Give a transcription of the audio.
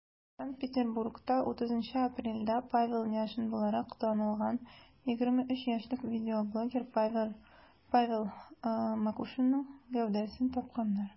Санкт-Петербургта 30 апрельдә Павел Няшин буларак танылган 23 яшьлек видеоблогер Павел Макушинның гәүдәсен тапканнар.